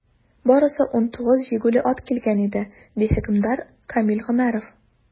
Барысы 19 җигүле ат килгән иде, - ди хөкемдар Камил Гомәров.